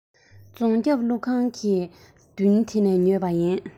རྫོང རྒྱབ ཀླུ ཁང གི མདུན དེ ནས ཉོས པ ཡིན